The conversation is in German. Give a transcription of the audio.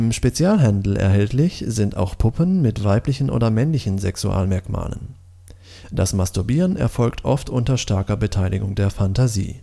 Spezialhandel erhältlich sind auch Puppen mit weiblichen oder männlichen Sexualmerkmalen. Das Masturbieren erfolgt oft unter starker Beteiligung der Phantasie